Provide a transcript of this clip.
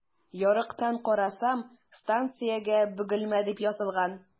Ярыктан карасам, станциягә “Бөгелмә” дип язылган.